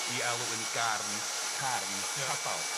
'i alw yn garn Carn Cabal.